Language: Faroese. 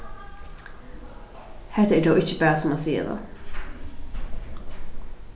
hetta er tó ikki bara sum at siga tað